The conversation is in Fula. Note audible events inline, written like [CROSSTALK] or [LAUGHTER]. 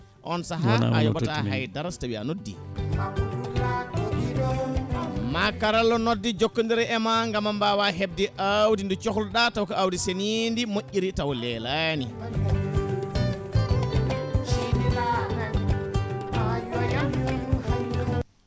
on saaha [CROSSTALK] a yooɓata haydrara so tawi a noddi ma karalla nodde jokkodira e ma gaam mbawa hebde awdi ndi cohluɗa taw ko awdi senidi moƴƴiri taw leelani